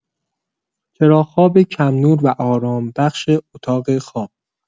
چراغ‌خواب کم‌نور و آرامش‌بخش اتاق‌خواب